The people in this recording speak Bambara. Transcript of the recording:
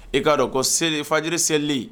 I ka dɔn ko seli , fajiri seli li.